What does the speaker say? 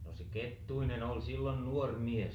no se Kettunen oli silloin nuori mies